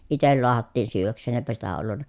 itse lahdattiin syödäkseen eipä sitä ollut